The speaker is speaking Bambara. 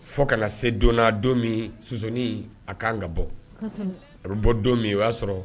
Fo kana na se donna don min sonsannin a kan ka bɔ a bɛ bɔ don min o y'a sɔrɔ